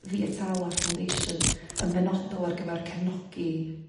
The Etala Foundation yn benodol ar gyfer cefnogi